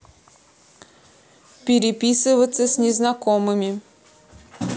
переписываться с незнакомыми